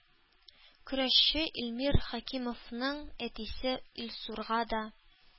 Көрәшче илмир хәкимхановның әтисе илсурга да